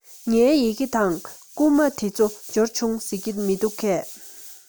ངའི ཡི གེ དང བསྐུར མ དེ ཚོ འབྱོར བྱུང ཟེར གྱི མི འདུག གས